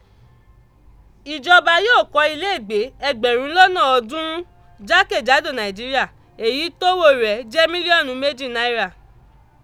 Ìjọba yóò kọ́ iléègbé ẹgbẹ̀rún lọ́nà ọ̀ọ́dúnrún jákè jádo Nàìjíríà èyí tówó rẹ̀ jẹ́ mílíọ́nù méjì náírà.